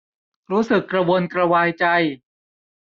รู้สึกกระวนกระวายใจ